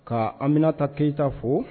Ka Aminata keyita fo